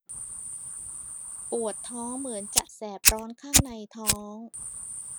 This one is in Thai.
ปวดท้องเหมือนจะแสบร้อนข้างในท้อง